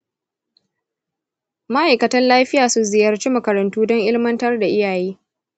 ma'aikatan lafiya su ziyarci makarantu don ilmantar da iyaye.